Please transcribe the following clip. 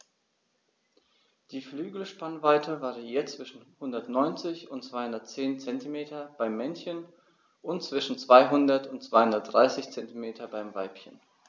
Die Flügelspannweite variiert zwischen 190 und 210 cm beim Männchen und zwischen 200 und 230 cm beim Weibchen.